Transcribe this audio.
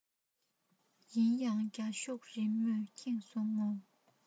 ཡིན ཡང རྒྱ ཤོག རི མོས ཁེངས སོང ངོ